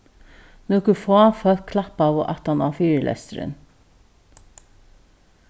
nøkur fá fólk klappaðu aftan á fyrilesturin